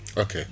ok